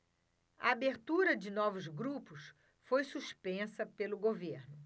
a abertura de novos grupos foi suspensa pelo governo